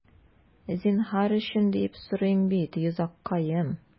Зинһар өчен, диеп сорыйм бит, йозаккаем...